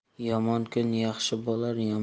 yomon kun yaxshi bolar